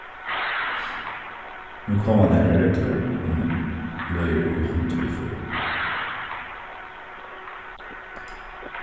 nú koma nakrar reglur um løgir í hondviðføri